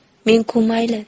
men ku mayli